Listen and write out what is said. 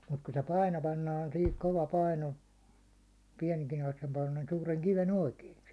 mutta kun se paino pannaan siihen kova paino suuren kiven oikein